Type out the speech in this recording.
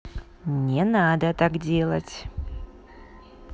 не надо так делать